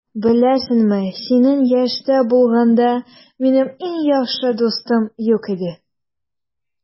Беләсеңме, синең яшьтә булганда, минем иң яхшы дустым юк иде.